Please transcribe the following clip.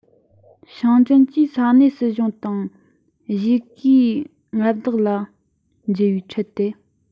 ཞིང བྲན གྱིས ས གནས སྲིད གཞུང དང གཞིས ཀའི མངའ བདག ལ འཇལ བའི ཁྲལ དེ